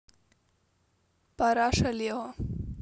параша лего